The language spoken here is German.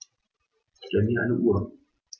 Stell mir eine Uhr.